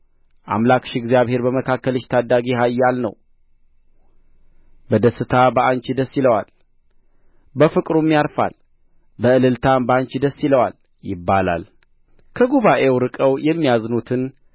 አምላክሽ እግዚአብሔር በመካከልሽ ታዳጊ ኃያል ነው በደስታ በአንቺ ደስ ይለዋል በፍቅሩም ያርፋል በእልልታም በአንቺ ደስ ይለዋል ይባላል ከጉባኤው ርቀው የሚያዝኑትን